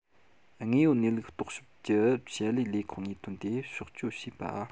དངོས ཡོད གནས ལུགས རྟོགས ཞིབ ཀྱི ཆེད དུ ལས ཁུངས ནས ཐོན ཏེ ཕྱོགས སྐྱོད བྱས པ